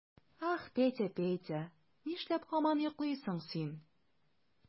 Ах, Петя, Петя, нишләп һаман йоклыйсың син?